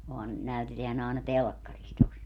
onhan näytetään aina telkkarissa tuossa